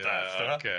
Ie ocê.